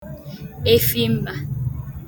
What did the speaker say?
efimma